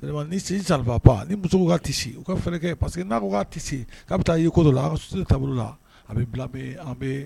Ni muso u ka parce que' taa ko la a ka so la a bɛ bila